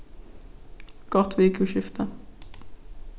gott vikuskifti